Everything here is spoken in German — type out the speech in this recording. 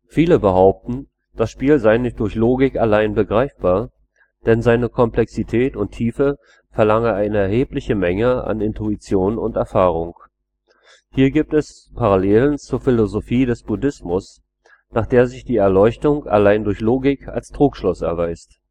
Viele behaupten, das Spiel sei nicht durch Logik allein begreifbar, denn seine Komplexität und Tiefe verlange eine erhebliche Menge an Intuition und Erfahrung. Hier gibt es Parallelen zur Philosophie des Buddhismus, nach der sich die Erleuchtung allein durch Logik als Trugschluss erweist